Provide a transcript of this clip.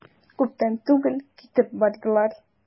Күптән түгел китеп бардылар.